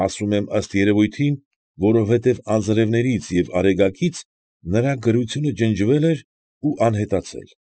Ասում եմ ըստ երևույթին, որովհետև անձրևներից և արեգակից նրա գրությունը ջնջվել էր ու անհետացել։